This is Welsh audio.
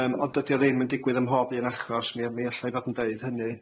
Yym ond dydi o ddim yn digwydd ym mhob un achos mi yy mi alla'i fod yn deud hynny.